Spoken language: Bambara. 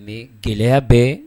Mais gɛlɛya bɛ